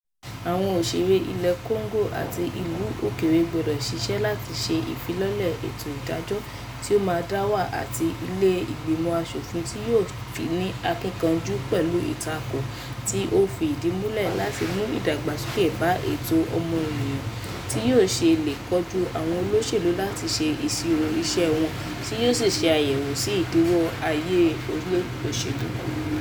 Àwọn ọ̀ṣèré ilẹ̀ Congo àti ìlú òkèèrè gbọ́dọ̀ ṣiṣẹ́ láti ṣe ìfilọ́lẹ̀ ètò ìdájọ́ tí ó máa dá wà àti ilé ìgbìmọ̀ aṣòfin tí yóò ní akíkanjú pẹ̀lú ìtakò tí ó fi ìdí múlẹ̀ láti mú ìdàgbàsókè bá ẹ̀tọ́ ọmọnìyàn, tí yóò sì lè kojú àwọn olùṣèlú láti ṣe ìṣirò iṣẹ́ wọn tí yóò sì ṣe àyẹ̀wò sí ìdíwọ́ ààyè òṣèlú.